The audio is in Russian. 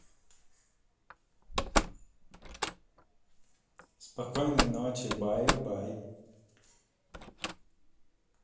спокойной ночи баю баю